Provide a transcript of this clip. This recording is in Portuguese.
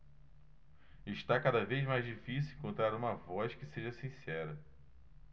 está cada vez mais difícil encontrar uma voz que seja sincera